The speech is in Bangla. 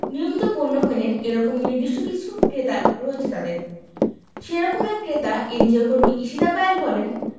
নিয়মিত পণ্য কেনেন এ রকম নির্দিষ্ট কিছু ক্রেতা রয়েছে তাঁদের সে রকম এক ক্রেতা এনজিওকর্মী ঈশিতা পায়েল বলেন